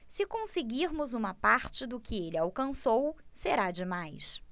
se conseguirmos uma parte do que ele alcançou será demais